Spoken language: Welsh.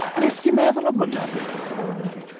Wel, wnest ti meddwl am hwnna, but Sali Mali?